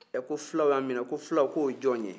ɛ fulaw y'an minɛ ko fulaw ko jɔn ye